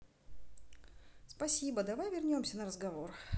спасибо давай вернемся на разговор